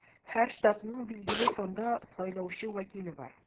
Һәр штатның билгеле санда сайлаучы вәкиле бар.